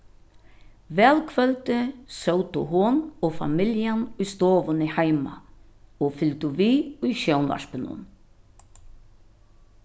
valkvøldið sótu hon og familjan í stovuni heima og fylgdu við í sjónvarpinum